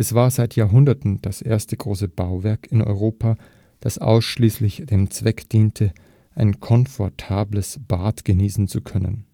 war seit Jahrhunderten das erste große Bauwerk in Europa, das ausschließlich dem Zweck diente, ein komfortables Bad genießen zu können